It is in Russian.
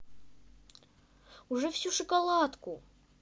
уже всю шоколадку